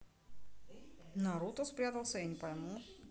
наруто спрятался я не пойму